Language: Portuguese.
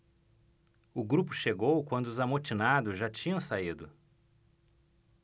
o grupo chegou quando os amotinados já tinham saído